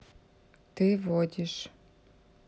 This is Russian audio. ты водишь